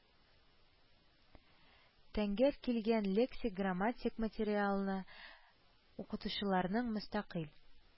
Тəңгəл килгəн лексик-грамматик материалны укучыларның мөстəкыйль